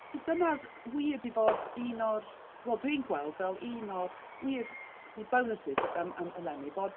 D- dyna'r wir i 'di bod un o'r... wel dw i'n gweld fel un o'r wir sort of bonuses yym am eleni, bod...